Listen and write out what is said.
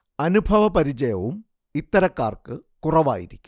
അനുഭവ പരിചയവും ഇത്തരക്കാർക്ക് കുറവായിരിക്കും